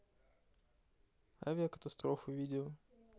авиакатастрофы видео